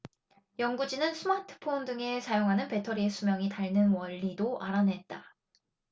연구진은 스마트폰 등에 사용하는 배터리의 수명이 닳는 원리도 알아냈다